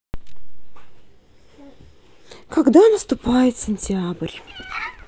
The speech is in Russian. когда наступает сентябрь